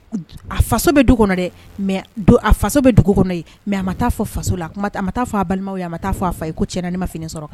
Un. A faso bɛ du kɔnɔ dɛ, mais a faso bɛ dugu kɔnɔ yen mais a ma ta'a fɔ a faso la, a ma ta'a fɔ a balimaw ye ko tiɲɛ na ne ma fini sɔrɔ.